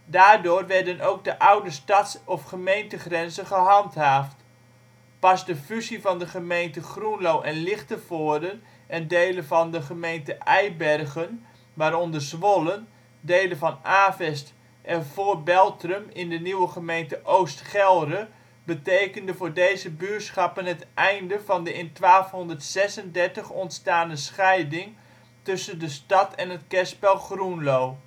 Daardoor werden ook de oude stads - of gemeentegrenzen gehandhaafd. Pas de fusie van de gemeenten Groenlo en Lichtenvoorde en delen van de gemeente Eibergen, waaronder Zwolle, delen van Avest en Voor-Beltrum in de nieuwe gemeente Oost Gelre, betekende voor deze buurschappen het einde van de in 1236 ontstane scheiding tussen de stad en het kerspel Groenlo